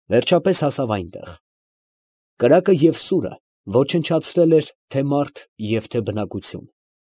Վերջապես հասավ այնտեղ։ Կրակը և սուրը ոչնչացրել էր թե՛ մարդ և թե՛ բնակություն։